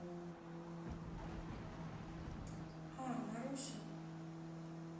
а маруся